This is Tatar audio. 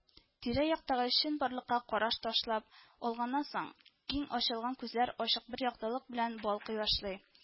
Тирә-яктагы чынбарлыкка караш ташлап алганнан соң киң ачылган күзләр ачык бер яктылык белән балкый башлый